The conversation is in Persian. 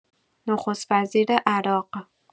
نخست‌وزیر عراق